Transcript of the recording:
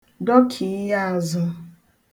dọkiiya āzụ̄